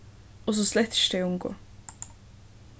og so slettis ikki tey ungu